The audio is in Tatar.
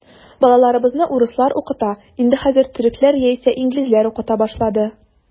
Балаларыбызны урыслар укыта, инде хәзер төрекләр яисә инглизләр укыта башлады.